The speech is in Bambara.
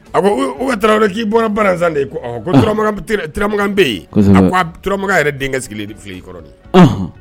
A ko o tura k'i bɔn bala turamakan bɛ yen a turamakan yɛrɛ denkɛ sigilen de fili i kɔrɔ de